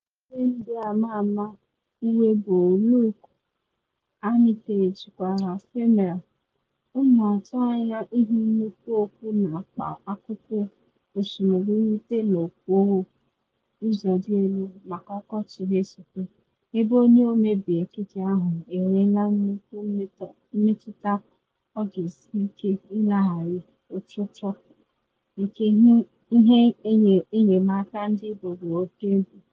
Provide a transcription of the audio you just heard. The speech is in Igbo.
Onye na eyi ndị ama ama uwe bụ Luke Armitage gwara FEMAIL: “M na atụ anya ịhụ nnukwu okpu na akpa akụkụ osimiri irute n’okporo ụzọ dị elu maka ọkọchị na esote - ebe onye ọmebe ekike ahụ enweela nnukwu mmetụta ọ ga-esi ike ịleghara ọchụchọ nke ihe enyemaka ndị buru oke ibu.’